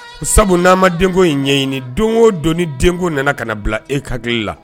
Sabu n'a ma denko in ɲɛɲini don o don ni den nana ka na bila e hakiliki la